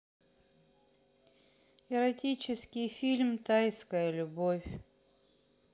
эротический фильм тайская любовь